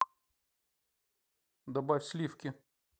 добавь сливки